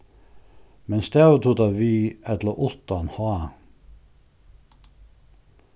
men stavar tú tað við ella uttan h